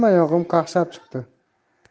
hammayog'im qaqshab chiqdi